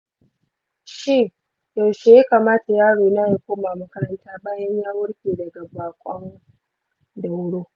shin yaushe ya kamata yarona ya koma makaranta bayan ya warke daga bakon dauro?